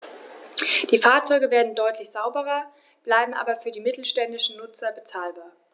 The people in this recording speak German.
Die Fahrzeuge werden deutlich sauberer, bleiben aber für die mittelständischen Nutzer bezahlbar.